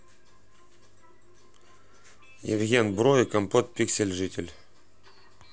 евген бро и компот пиксель житель